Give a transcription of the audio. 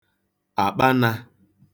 àkpanā